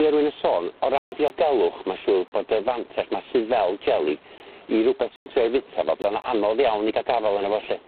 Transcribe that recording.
Be' o rywun yn sôn o ran diogelwch ma'n siŵr bod y fantell 'ma sydd fel jeli i rwbeth sy'n trio'i fita fo bydda'n anodd iawn i ga'l gafal arno fo 'lly.